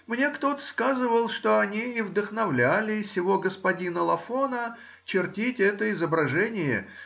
мне кто-то сказывал, что они и вдохновляли сего господина Лафона чертить это изображение